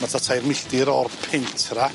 Ma' t'a tair milltir o'r pentra.